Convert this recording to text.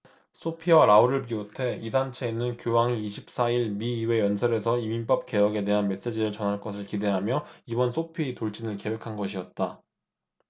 소피와 라울을 비롯해 이 단체는 교황이 이십 사 일 미 의회 연설에서 이민법 개혁에 대한 메시지를 전할 것을 기대하며 이번 소피의 돌진을 계획한 것이었다